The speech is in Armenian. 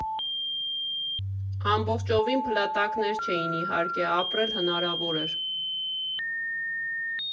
Ամբողջովին փլատակներ չէին իհարկե, ապրել հնարավոր էր։